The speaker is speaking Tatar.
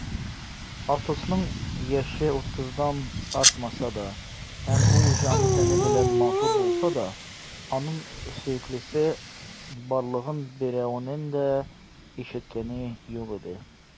Атосның яше утыздан артмаса да һәм ул җаны-тәне белән матур булса да, аның сөеклесе барлыгын берәүнең дә ишеткәне юк иде.